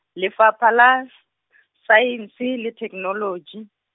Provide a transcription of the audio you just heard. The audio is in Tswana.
Lefapha la , Saense le Thekenoloji.